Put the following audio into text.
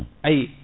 ayi